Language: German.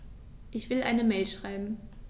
Ich will eine Mail schreiben.